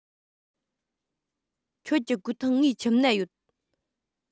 ཁྱོད ཀྱི གོས ཐུང ངའི ཁྱིམ ན ཡོད